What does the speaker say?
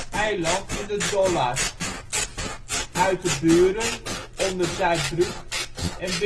eiland in de Dollard), Uiterburen (onder Zuidbroek) en